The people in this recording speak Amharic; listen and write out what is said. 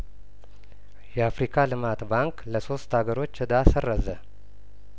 የአፍሪካ ልማት ባንክ ለሶስት አገሮች እዳ ሰረዘ